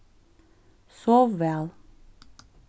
sov væl